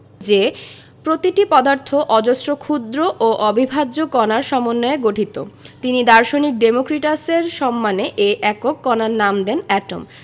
যে প্রতিটি পদার্থ অজস্র ক্ষুদ্র এবং অবিভাজ্য কণার সমন্বয়ে গঠিত তিনি দার্শনিক ডেমোক্রিটাসের সম্মানে এ একক কণার নাম দেন এটম